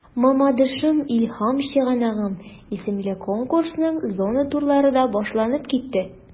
“мамадышым–илһам чыганагым” исемле конкурсның зона турлары да башланып китте.